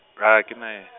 ha a kena yena.